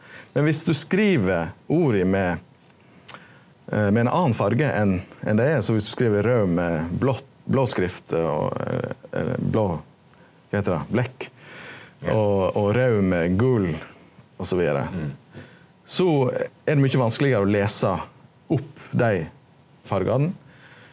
men viss du skriv orda med med ein annan farge enn enn det er so viss du skriv raud med med blått blå skrift og blå kva heiter det blekk og og raud med gul, og so vidare so er det mykje vanskelegare å lesa opp dei fargane.